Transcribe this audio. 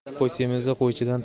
qo'y semizi qo'ychidan